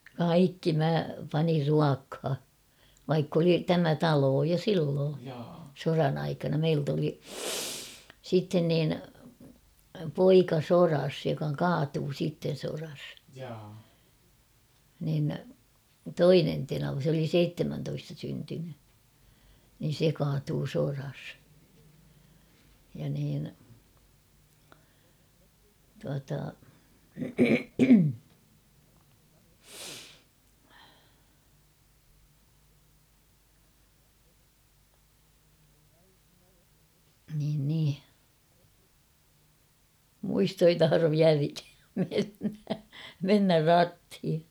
kaikki minä panin ruokaan vaikka oli tämä talo jo silloin sodan aikana - meiltä oli sitten niin poika sodassa joka kaatui sitten sodassa niin toinen tenava se oli seitsemäntoista syntynyt niin se kaatui sodassa ja niin tuota niin niin muisto ei tahdo vieläkään mennä mennä ratiin